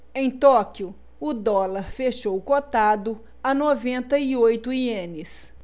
em tóquio o dólar fechou cotado a noventa e oito ienes